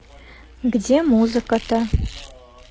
где музыка то